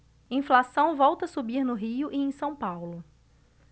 inflação volta a subir no rio e em são paulo